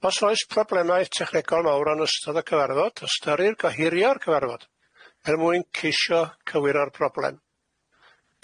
Os oes problemau technegol mawr yn ystod y cyfarfod, ystyrir gohirio'r cyfarfod, er mwyn ceisio cywiro'r broblem.